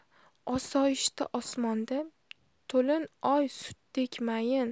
osoyishta osmonda to'lin oy sutdek mayin